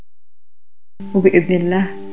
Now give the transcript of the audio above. باذن الله